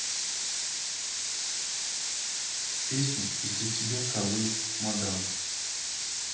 песня из за тебя калы мадам